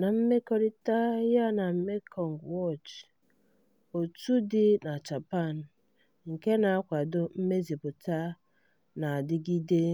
Na mmekorịta ya na Mekong Watch, òtù dị na Japan nke na-akwado mmezipụta na-adịgide